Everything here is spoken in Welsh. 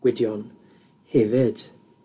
Gwydion, hefyd